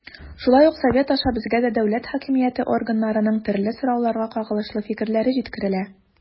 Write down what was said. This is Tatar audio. Шулай ук Совет аша безгә дә дәүләт хакимияте органнарының төрле сорауларга кагылышлы фикерләре җиткерелә.